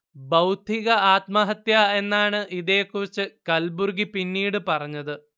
'ബൗദ്ധിക ആത്മഹത്യ' എന്നാണ് ഇതേകുറിച്ച് കൽബുർഗി പിന്നീട് പറഞ്ഞത്